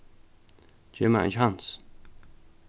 gev mær ein kjans